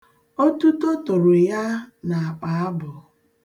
Otuto toro ya n'akpaabụ.